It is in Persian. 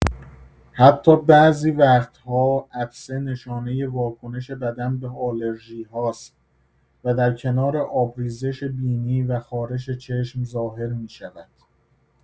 حتی بعضی وقت‌ها عطسه نشانه واکنش بدن به آلرژی‌هاست و در کنار آبریزش بینی و خارش چشم ظاهر می‌شود.